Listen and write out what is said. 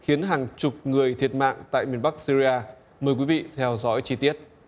khiến hàng chục người thiệt mạng tại miền bắc sê ri a mời quý vị theo dõi chi tiết